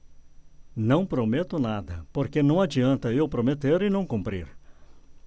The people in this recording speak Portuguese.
não prometo nada porque não adianta eu prometer e não cumprir